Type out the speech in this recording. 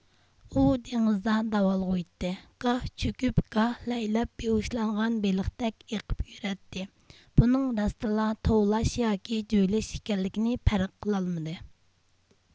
ئۇ دېڭىزدا داۋالغۇيتتى گاھ چۆكۈپ گاھ لەيلەپ بىھۇشلانغان بېلىقتەك ئېقىپ يۈرەتتى بۇنىڭ راستىنلا توۋلاش ياكى جۆيلۈش ئىكەنلىكىنى پەرق قىلالمىدى